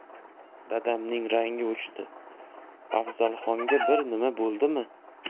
dadamning rangi o'chdi afzalxonga bir nima bo'ldimi